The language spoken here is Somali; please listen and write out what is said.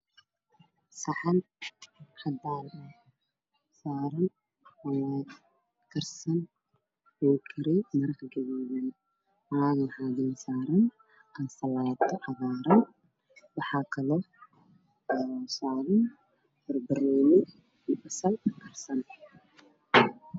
Saxan cadaan ah waxaa saaran malaay karsan oo loo kariyay maraq gaduudan. Malaayga waxaa saaran ansalaato cagaaran, banbanooni iyo basal.